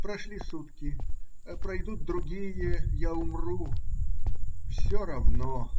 прошли сутки, пройдут другие, я умру. Все равно.